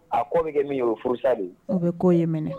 A k'o bɛ kɛ minyɔrɔ furusa de o bɛ k'o ye minɛ